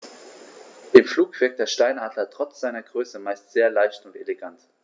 Im Flug wirkt der Steinadler trotz seiner Größe meist sehr leicht und elegant.